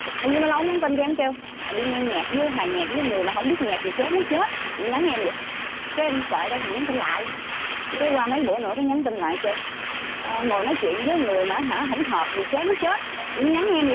tự nhiên lâu lâu ông nhắn tin cho em kêu đi nghe nhạc với hòa nhạc với người mà hổng biết nhạc chán muốn chết tự nhiên nhắn em vậy á cái em kể đâu thèm nhắn tin lại cái qua mấy bữa nữa có nhắn tin lại kêu ngồi nói chuyện với người mà hả hổng hợp gì chán muốn chết tự nhiên nhắn em